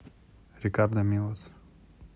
рикардо милос